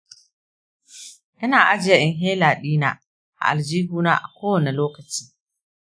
ina ajiye inhaler dina a aljihuna a kowane lokaci.